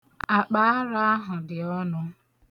Akpaara ahụ dị ọnụ.